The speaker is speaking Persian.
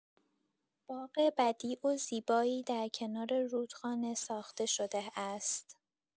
باغ بدیع و زیبایی در کنار رودخانه ساخته شده است.